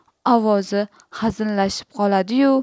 ovozi xazinlashib qoladi yu